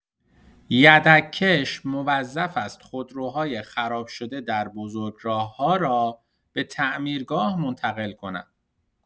یدک‌کش موظف است خودروهای خراب‌شده در بزرگراه‌ها را به تعمیرگاه منتقل کند.